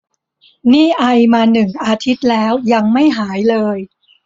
นี่ไอมาหนึ่งอาทิตย์แล้วยังไม่หายเลย